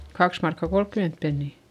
kaksi markkaa kolmekymmentä penniä